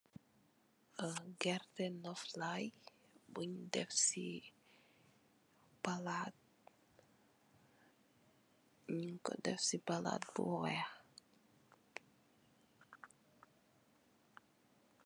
Gerteh nuflay bun def se palat nugku def se palat bu weex.